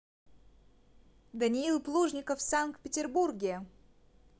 данил плужников в санкт петербурге